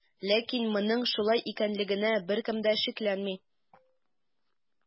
Ләкин моның шулай икәнлегенә беркем дә шикләнми.